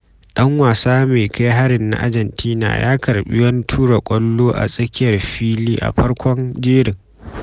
Ɗan wasa mai kai harin na Argentina ya karɓi wani tura ƙwallo a tsakiyar fili a farkon jerin.